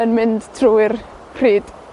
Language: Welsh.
yn mynd trwy'r rhyd.